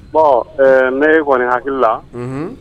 Bɔn ne ye kɔniɔni hakili la